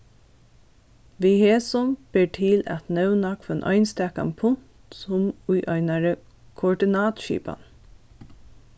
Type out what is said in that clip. við hesum ber til at nevna hvønn einstakan punt sum í einari koordinatskipan